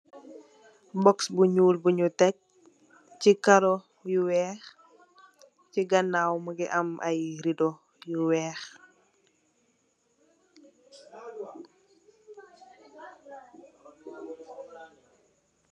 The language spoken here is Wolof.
Box bu ñuul buñ tek ci karó yu wèèx ci ganaw mugii am ay redo yu wèèx.